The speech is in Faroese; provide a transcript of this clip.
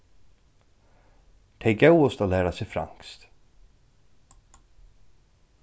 tey góvust at læra seg franskt